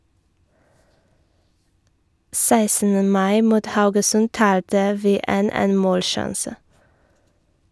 16. mai mot Haugesund talte vi 1 - én - målsjanse.